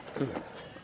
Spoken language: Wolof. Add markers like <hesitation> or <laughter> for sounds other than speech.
<hesitation> <hesitation>